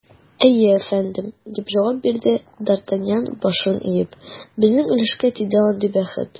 Әйе, әфәндем, - дип җавап бирде д’Артаньян, башын иеп, - безнең өлешкә тиде андый бәхет.